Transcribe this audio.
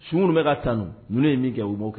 Sunum bɛ ka tanu ninnu ye nin gawo bɔ kɛ